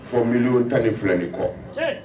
Fɔ miw tan ni filɛ nin kɔ